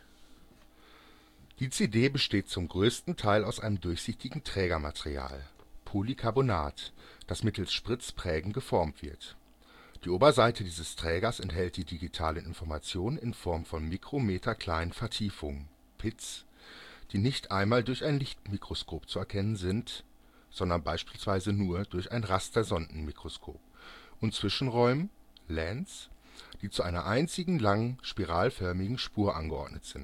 Die CD besteht zum größten Teil aus einem durchsichtigen Trägermaterial (Polycarbonat), das mittels Spritzprägen geformt wird. Die Oberseite dieses Trägers enthält die digitalen Informationen in Form von mikrometerkleinen Vertiefungen (Pits), die nicht einmal durch ein Lichtmikroskop zu erkennen sind (sondern beispielsweise nur durch ein Rastersondenmikroskop), und Zwischenräumen („ Lands “), die zu einer einzigen langen, spiralförmigen Spur angeordnet